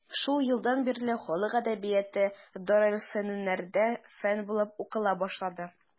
Шул елдан бирле халык әдәбияты дарелфөнүннәрдә фән булып укыла башланды.